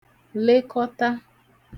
lekọta